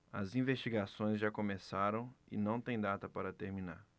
as investigações já começaram e não têm data para terminar